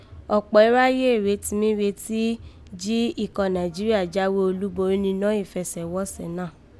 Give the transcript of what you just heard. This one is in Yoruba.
Ọ̀kpọ̀ iráyé rèé mí retí jí ikọ̀ Nàìjíríà jáwé olúborí ninọ́ ìfẹsẹ̀wọ̀nsẹ náà